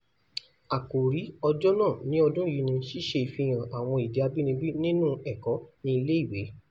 Àkòrí Ọjọ́ náà ní ọdún yìí ni ṣíṣe ìfihàn àwọn èdè abínibí nínú ẹ̀kọ́ ní ilé-ìwé.